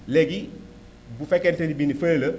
léegi bu fekkente ni bi fële la